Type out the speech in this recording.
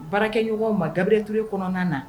Baarakɛɲɔgɔn ma dabituur kɔnɔna na